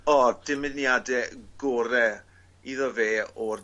O dymuniade gore iddo fe o'r...